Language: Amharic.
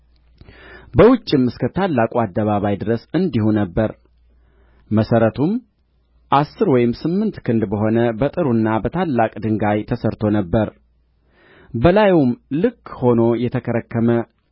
በውጭውም እስከ ታላቁ አደባባይ ድረስ እንዲሁ ነበረ መሠረቱም አሥር ወይም ስምንት ክንድ በሆነ በጥሩና በታላቅ ድንጋይ ተሠርቶ ነበር በላዩም ልክ ሆኖ የተከረከመ